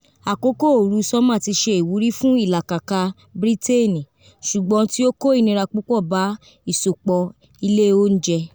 Àkókò oru sọ́mà ti ṣe ìwúrì fún ìlàkakà Briteni ṣùgbọ́n tí ó kó ìnira púpọ̀ bá ìsopọ ilé oúnjẹ.